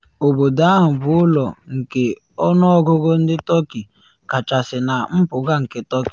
Obodo ahụ bụ ụlọ nke ọnụọgụgụ ndị Turkey kachasị na mpụga nke Turkey.